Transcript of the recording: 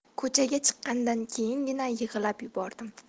ko'chaga chiqqandan keyingina yig'lab yubordim